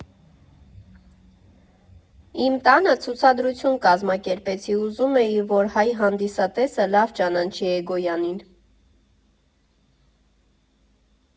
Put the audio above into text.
Իմ տանը ցուցադրություն կազմակերպեցի՝ ուզում էի, որ հայ հանդիսատեսը լավ ճանաչի էգոյանին։